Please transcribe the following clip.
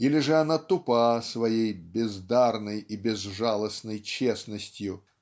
или же она тупа своей "бездарной и безжалостной честностью"